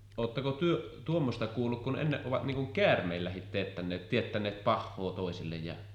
oletteko te tuommoista kuullut kun ennen ovat niin kuin käärmeilläkin teettäneet pahaa toisille ja